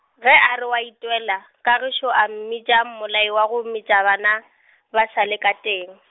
ge a re oa itwela , Kagišo a mmitša mmolai wa go metša bana, ba sa le ka teng.